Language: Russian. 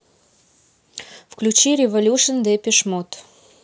включи революшен депеш мод